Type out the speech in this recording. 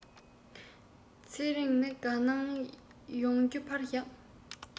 ཚེ རིང ནི དགའ སྣང ཡོང རྒྱུ ཕར བཞག